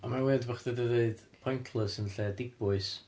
Ond mae'n weird bod chdi 'di deud pointless yn lle dibwys